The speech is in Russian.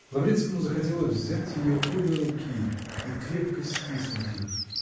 Лаврецкому захотелось взять ее обе руки и крепко стиснуть их.